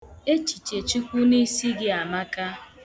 Echiche chukwu n'isi gị amaka.